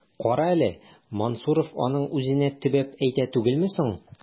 Тукта әле, Мансуров аның үзенә төбәп әйтә түгелме соң? ..